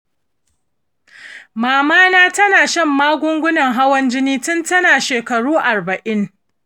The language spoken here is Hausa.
mama na tana shan magungunan hawan jini tin tana shakaru arba'in.